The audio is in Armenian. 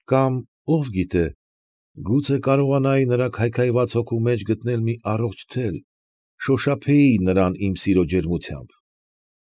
Կամ ո՞վ գիտե, գուցե կարողանայի նրա քայքայված հոգու մեջ գտնել մի առողջ թել, շոշափեի նրան իմ սիրո ջերմությամբ։